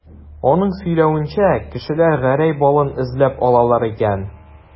Аның сөйләвенчә, кешеләр Гәрәй балын эзләп алалар икән.